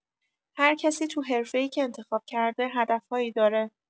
هر کسی تو حرفه‌ای که انتخاب کرده، هدف‌هایی داره.